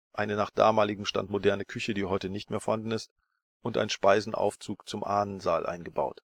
eine nach damaligem Stand moderne Küche (heute nicht mehr vorhanden) und ein Speisenaufzug zum Ahnensaal eingebaut